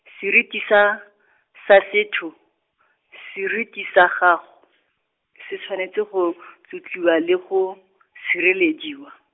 seriti sa, sa setho, seriti sa gago , se tshwanetse go , tlotliwa le go, sirelediwa.